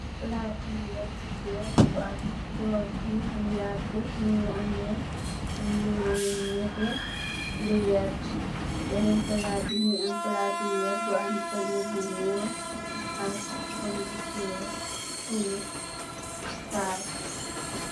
Plaati wehrre bu wekh bu am sauce cii yapue, mungy ameh lu nehteh, lu vert, benen plaat bii mungy am plaati wehrre bu am pahnjeh bu njull ak pompiterr bungh saaf.